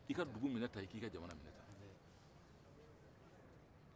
i ka dugu minɛ ta i ka jamana minɛ ta